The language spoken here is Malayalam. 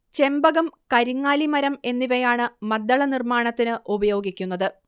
ചെമ്പകം കരിങ്ങാലി മരം എന്നിവയാണ് മദ്ദള നിർമ്മാണത്തിന് ഉപയോഗിക്കുന്നത്